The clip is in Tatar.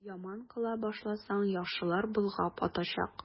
Яман кыла башласаң, яхшылар болгап атачак.